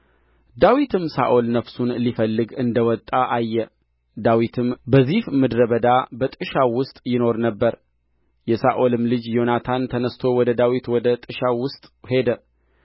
ዳዊትም ሳኦል ነፍሱን ሊፈልግ እንደ ወጣ አየ ዳዊትም በዚፍ ምድረ በዳ በጥሻው ውስጥ ይኖር ነበር የሳኦልም ልጅ ዮናታን ተነሥቶ ወደ ዳዊት ወደ ጥሻው ስጥ ሄደ